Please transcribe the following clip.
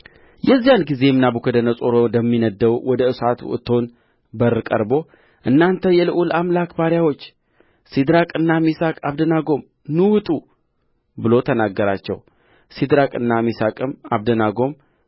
የዚያን ጊዜም ናቡከደነፆር ወደሚነድደው ወደ እሳቱ እቶን በር ቀርቦ እናንተ የልዑል አምላክ ባሪያዎች ሲድራቅና ሚሳቅ አብደናጎም ኑ ውጡ ብሎ ተናገራቸው ሲድራቅና ሚሳቅም አብደናጎም